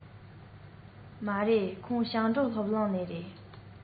མ རེད ཁོང ཞིང འབྲོག སློབ གླིང ནས རེད